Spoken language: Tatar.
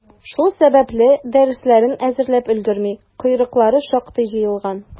Шул сәбәпле, дәресләрен әзерләп өлгерми, «койрыклары» шактый җыелган.